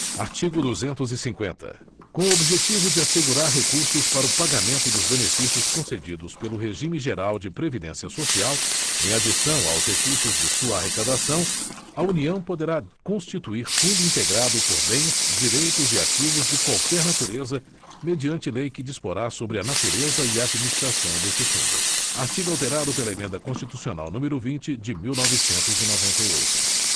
artigo duzentos e cinquenta com o objetivo de assegurar recursos para o pagamento dos benefícios concedidos pelo regime geral de previdência social em adição aos recursos de sua arrecadação a união poderá constituir fundo integrado por bens direitos e ativos de qualquer natureza mediante lei que disporá sobre a natureza e administração desse fundo artigo alterado pela emenda constitucional número vinte de mil novecentos e noventa e oito